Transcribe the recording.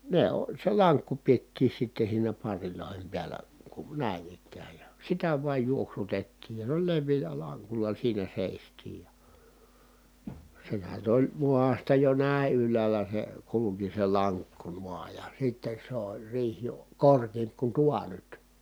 ne - se lankku pidettiin sitten siinä parrien päällä kun näin ikään ja sitä vain juoksutettiin ja noin leveällä lankulla siinä seistiin ja sehän nyt oli maasta jo näin ylhäällä se kulki se lankku noin ja sitten se oli riihi jo korkeampi kuin tuo nyt